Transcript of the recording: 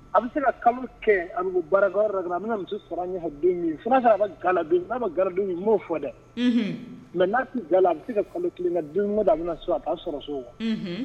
A bɛ se ka kalo kɛ baara ga bɛna misi sɔrɔ an sɔrɔ ka ga n'a gadenw b'o fɔ dɛ mɛ n'a tun ga a bɛ se ka kalo kelen bɛna so a'a sɔrɔ so wa